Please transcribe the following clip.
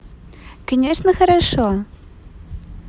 конечно хорошо